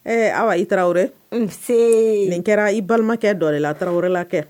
Ee aw i tarawele se n kɛra i balimakɛ dɔɛrɛ la tarawele wɛrɛ la kɛ